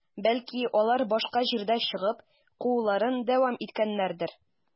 Бәлки, алар башка җирдә чыгып, кууларын дәвам иткәннәрдер?